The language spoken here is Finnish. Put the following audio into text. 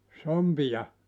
sompia